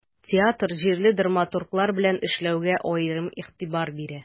Театр җирле драматурглар белән эшләүгә аерым игътибар бирә.